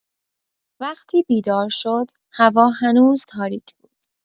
وقتی بیدار شد، هوا هنوز تاریک بود.